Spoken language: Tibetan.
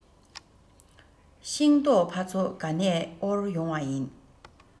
ཤིང ཏོག ཕ ཚོ ག ནས དབོར ཡོང བ རེད